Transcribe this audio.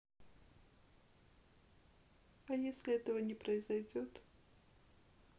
а если этого не произойдет